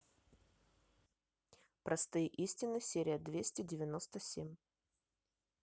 простые истины серия двести девяносто семь